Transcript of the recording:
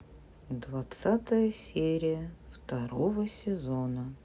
двадцатая серия второго сезона